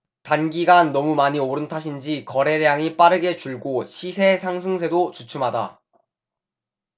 단기간 너무 많이 오른 탓인지 거래량이 빠르게 줄고 시세 상승세도 주춤하다